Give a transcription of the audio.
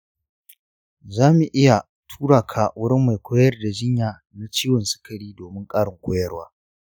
za mu iya tura ka wurin mai koyar da jinya na ciwon sukari domin ƙarin koyarwa.